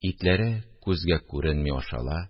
Итләре күзгә күренми ашала